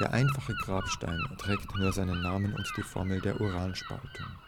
einfache Grabstein trägt nur seinen Namen und die Formel der Uranspaltung